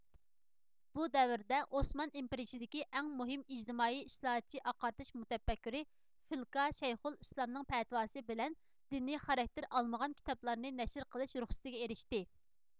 بۇ دەۋردە ئوسمان ئىمپېرىيىسىدىكى ئەڭ مۇھىم ئىجتىمائىي ئىسلاھاتچى ئاقارتىش مۇتەپەككۇرى فىلكا شەيخۇل ئىسلامنىڭ پەتىۋاسى بىلەن دىنىي خاراكتېر ئالمىغان كىتابلارنى نەشر قىلىش رۇخسىتىگە ئېرىشتى